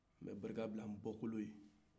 m bɛ barika bla n'bɔkolo ye